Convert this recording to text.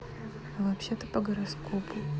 вообще то по гороскопу